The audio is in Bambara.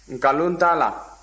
nkalon tɛ a la